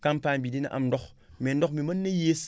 campagne bi dina am ndox